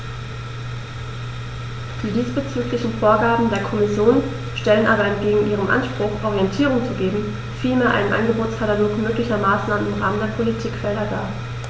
Die diesbezüglichen Vorgaben der Kommission stellen aber entgegen ihrem Anspruch, Orientierung zu geben, vielmehr einen Angebotskatalog möglicher Maßnahmen im Rahmen der Politikfelder dar.